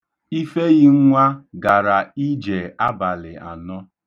Ifeyinwa gara ije abalị anọ.